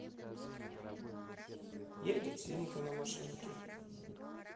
едет свинка на машинке